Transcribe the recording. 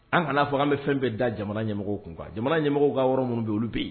An kana n'a fɔ an bɛ fɛn bɛɛ da jamana ɲɛmɔgɔ kun kan jamana ɲɛmɔgɔ ka yɔrɔ minnu bɛ olu bɛ yen